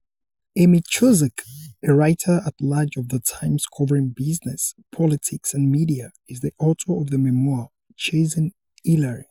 Amy Chozick, a writer at large for The Times covering business, politics and media, is the author of the memoir "Chasing Hillary."